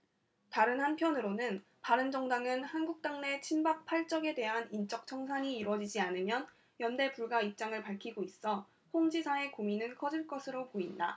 다른 한편으로는 바른정당은 한국당내 친박 팔 적에 대한 인적청산이 이뤄지지 않으면 연대 불가 입장을 밝히고 있어 홍 지사의 고민은 커질 것으로 보인다